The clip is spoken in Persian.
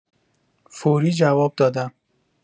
فوری جواب دادم.